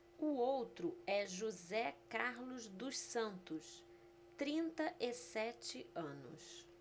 o outro é josé carlos dos santos trinta e sete anos